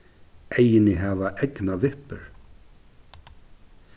eyguni hava eygnavippur